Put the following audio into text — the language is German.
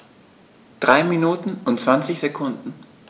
3 Minuten und 20 Sekunden